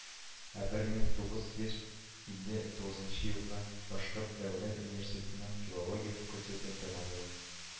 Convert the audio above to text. Ә бер мең тугыз йөз илле тугызынчы елда Башкорт дәүләт университетының филология факультетын тәмамлый